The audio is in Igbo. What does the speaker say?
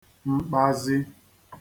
mkpazi